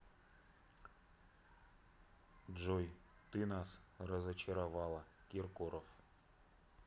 джой ты нас разочаровала киркоров